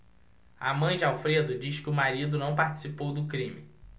a mãe de alfredo diz que o marido não participou do crime